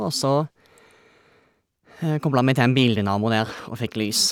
Og så kobla vi til en bildynamo der og fikk lys.